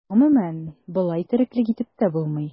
Гомумән, болай тереклек итеп тә булмый.